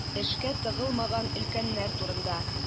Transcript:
Эшкә тыгылмаган өлкәннәр турында.